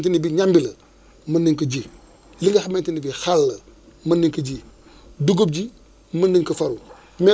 danañu mettre à jour la prévision saisonière xool ba xam ndax am na ay ay kii ay évolutions